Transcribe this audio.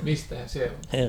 mistähän se on tullut